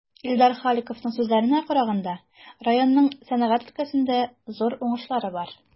Илдар Халиковның сүзләренә караганда, районның сәнәгать өлкәсендә зур уңышлары бар.